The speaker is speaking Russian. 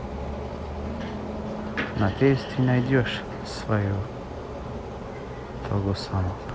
надеюсь ты найдешь своего того самого